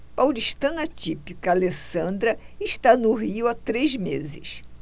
paulistana típica alessandra está no rio há três meses